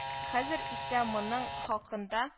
Хәзер исә моның хакында